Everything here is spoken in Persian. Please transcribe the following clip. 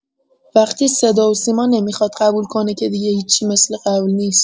وقتی صداوسیما نمیخواد قبول کنه که دیگه هیچی مثل قبل نیست